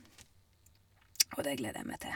Og det gleder jeg meg til.